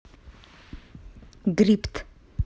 crypt